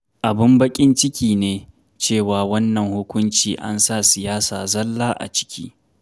Abin bakin ciki ne cewa wannan hukunci ansa siyasa zalla aciki.